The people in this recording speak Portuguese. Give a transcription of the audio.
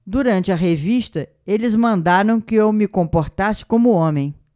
durante a revista eles mandaram que eu me comportasse como homem